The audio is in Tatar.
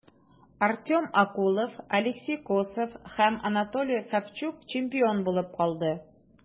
Артем Окулов, Алексей Косов һәм Антоний Савчук чемпион булып калды.